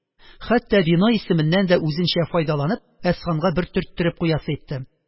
Хәтта вино исеменнән дә үзенчә файдаланып, Әсфанга бер төрттереп куясы итте: